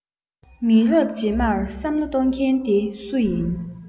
མི རབས རྗེས མར བསམ བློ གཏོང མཁན དེ སུ ཡིན